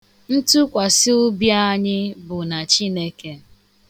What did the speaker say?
Ntụkwasịobi anyị bụ na Chineke.